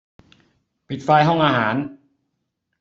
ปิดไฟห้องอาหาร